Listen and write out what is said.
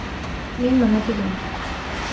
Мин моны тоям.